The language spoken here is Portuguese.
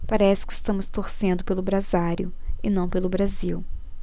parece que estamos torcendo pelo brasário e não pelo brasil